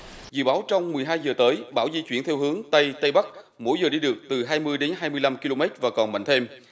dự báo trong mười hai giờ tới bão di chuyển theo hướng tây tây bắc mỗi giờ đi được từ hai mươi đến hai mươi lăm kí lô mét và còn mạnh thêm